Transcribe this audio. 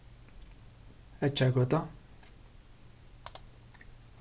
eggjargøta